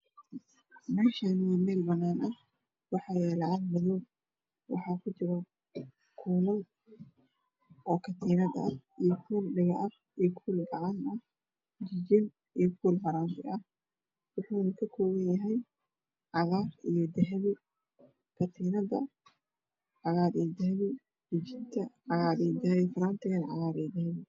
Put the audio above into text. Meshan waaxaa yala cag madoow ah waxaa kujira kul katinad iyo dhego ah jijin iyo faranti kul ka samaysan kalarku waa cadar iyo dahabi